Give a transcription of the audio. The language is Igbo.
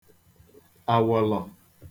àwọ̀lọ̀